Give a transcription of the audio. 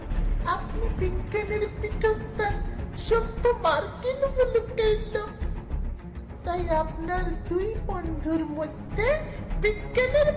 আপনি বিজ্ঞানের পীঠস্থান সভ্য মার্কিন মুলুকের লোক তাই আপনার দুই বন্ধুর মধ্যে বিজ্ঞানীর